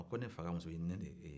a ko ne fa ka muso ɲininen de ye e ye